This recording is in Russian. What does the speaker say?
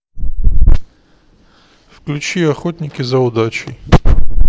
включи охотники за удачей